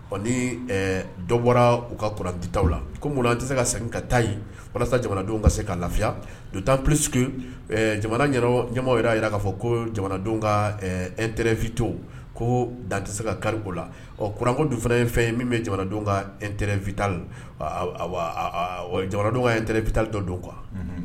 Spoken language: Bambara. Ɔ ni dɔ bɔra u ka kuranta la ko munna tɛ se ka segin ka taa walasa jamanadenw ka se ka lafiya don tan psi jamana ɲa yɛrɛ jira k'a fɔ ko jamana ka e terir fit ko dan tɛ se ka kariku la kuranko dun fana ye fɛn ye min bɛ jamanadenw ka etta la jamanadenw ka tɛ fitali dɔn don qu